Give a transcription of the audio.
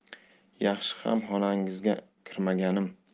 yaxshi ham xonangizga kirmaganim